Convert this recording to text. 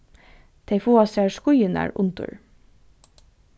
tey fáa sær skíðirnar undir